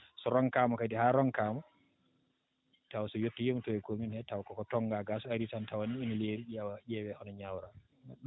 so ronkaama kadi haa ronkaama taw so yettoyiima to e commune taw koko toŋngaa gaa so arii tan tawa ina leeri ƴeewa ƴeewee hono ñaawraa